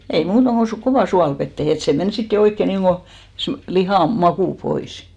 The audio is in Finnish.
ei muuta kuin - kovaan suolaveteen että se meni sitten jo oikein niin kuin se lihan maku pois